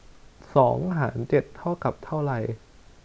สองหารเจ็ดเท่ากับเท่าไร